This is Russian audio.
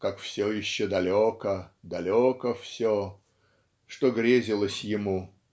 как все еще далеко, далеко все", что грезилось ему.